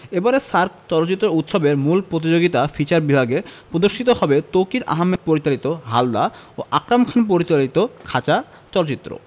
এবারের সার্ক চলচ্চিত্র উৎসবের মূল প্রতিযোগিতা ফিচার বিভাগে প্রদর্শিত হবে তৌকীর আহমেদ পরিচালিত হালদা ও আকরাম খান পরিচালিত খাঁচা চলচ্চিত্র